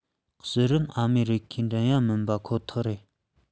དབྱི རན ཨ མེ རི ཁའི འགྲན ཡ མིན པ ཁོ ཐག ཡིན